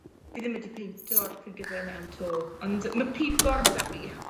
fi ddim wedi peinto'r ffigyre mewn 'to. Ond ma' pigorn 'da fi.